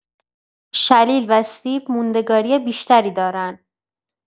شلیل و سیب موندگاری بیشتری دارن.